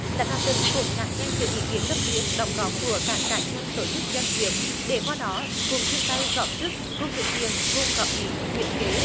lãnh đạo tỉnh cũng lắng nghe nhiều ý kiến tâm huyết đóng góp của các cá nhân tổ chức doanh nghiệp để qua đó cùng chung tay góp sức cùng thực hiện cùng góp ý hiến kế